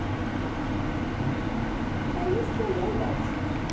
да есть люлей дать